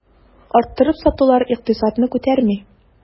Арттырып сатулар икътисадны күтәрми.